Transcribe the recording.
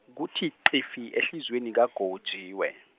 kuthi qifi, ehliziyweni kaGotjiwe.